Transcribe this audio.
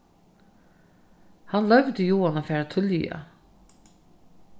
hann loyvdi joan at fara tíðliga